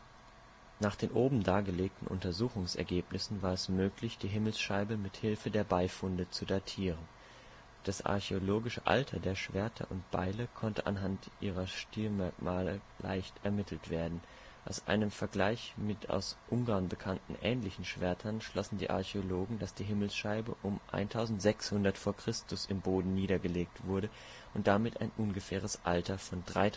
den oben dargelegten Untersuchungsergebnissen war es möglich, die Himmelsscheibe mit Hilfe der Beifunde zu datieren. Das archäologische Alter der Schwerter und Beile konnte anhand ihrer Stilmerkmale leicht ermittelt werden. Aus einem Vergleich mit aus Ungarn bekannten ähnlichen Schwertern schlossen die Archäologen, dass die Himmelsscheibe um 1600 v. Chr. im Boden niedergelegt wurde und damit ein ungefähres Alter von 3.600